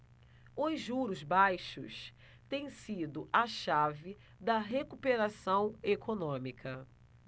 os juros baixos têm sido a chave da recuperação econômica